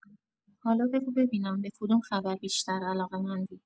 حالا بگو ببینم، به کدوم خبر بیشتر علاقه‌مندی؟